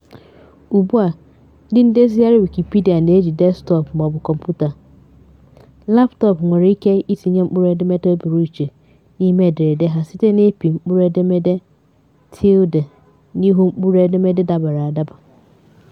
Ugbua ndị ndezigharị Wikipedia na-eji desktọpụ maọbụ kọmpụta laptọọpụ nwere ike itinye mkpụrụedemede pụrụ iche n'ime ederede ha site n'ịpị mkpụrụedemede tilde (~) n'ihu mkpụrụedemede dabara adaba.